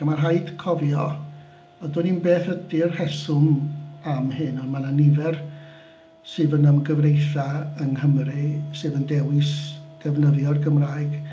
A ma' rhaid cofio, a dwn ni'm beth ydy'r rheswm am hyn, ond mae 'na nifer sydd yn ymgyfreithia yng Nghymru, sydd yn dewis defnyddio'r Gymraeg.